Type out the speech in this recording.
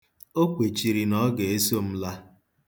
O kwechiri na ọ ga-eso m wee la.